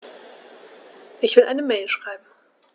Ich will eine Mail schreiben.